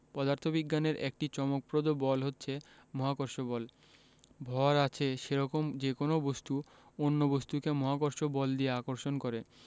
পদার্থবিজ্ঞানের একটি চমকপ্রদ বল হচ্ছে মহাকর্ষ বল ভর আছে সেরকম যেকোনো বস্তু অন্য বস্তুকে মহাকর্ষ বল দিয়ে আকর্ষণ করে